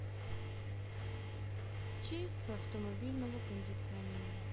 чистка автомобильного кондиционера